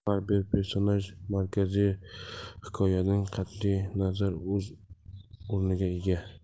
har bir personaj markaziy hikoyadan qatiy nazar o'z o'rniga ega